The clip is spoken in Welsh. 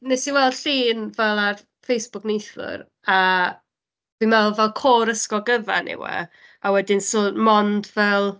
Wnes i weld llun fel ar Facebook neithiwr, a dwi'n meddwl fel cor yr ysgol gyfan yw e, a wedyn, so, mond fel